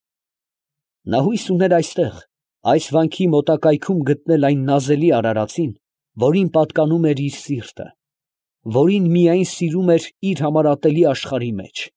Նա հույս ուներ այստեղ, այս վանքի մոտակայքում գտնել այն նազելի արարածին, որին պատկանում էր իր սիրտը, որին միայն սիրում էր իր համար ատելի աշխարհի մեջ։